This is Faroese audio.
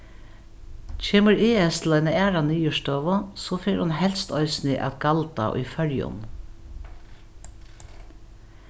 kemur es til eina aðra niðurstøðu so fer hon helst eisini at galda í føroyum